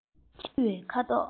འཆི བའི ཁ དོག